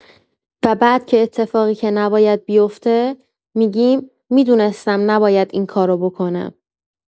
و بعد که اتفاقی که نباید بیفته، می‌گیم "میدونستم نباید این کارو بکنم! "